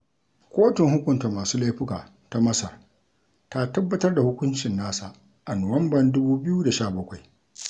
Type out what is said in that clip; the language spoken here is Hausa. Kotun hukunta masu laifuka ta Masar ta tabbatar da hukuncin nasa a Nuwamban 2017.